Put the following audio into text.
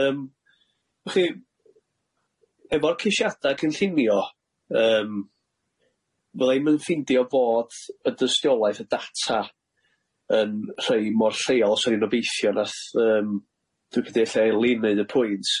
Yym wch chi efo'r ceisiada cynllunio yym fyddai'm yn ffeindio fod y dystiolaeth, y data yn rhei mor lleol a swn i di obeithio nath yym dwi'm ella i Elin neud y pwynt.